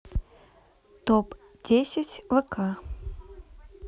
топ десять вк